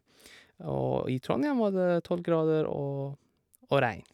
Og i Trondhjem var det tolv grader og og regn.